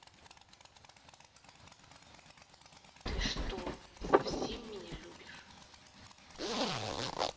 ты что совсем меня любишь